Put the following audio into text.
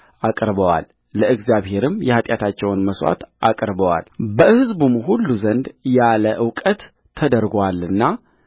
አቅርበዋል ለእግዚአብሔርም የኃጢአታቸውን መሥዋዕት አቅርበዋልበሕዝቡም ሁሉ ዘንድ ያለ እውቀት ተደርጎአልና